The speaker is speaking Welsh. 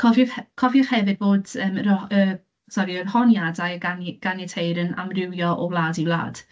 Cofiwch he- cofiwch hefyd bod yym yr ho- yr, sori, yr honiadau gan- a ganiateir yn amrywio o wlad i wlad.